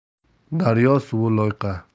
daryo suvi loyqa